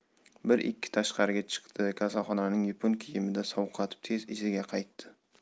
bir ikki tashqariga chiqdi kasalxonaning yupun kiyimida sovqotib tez iziga qaytdi